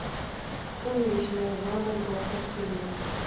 сумеречная зона доктор тюрьма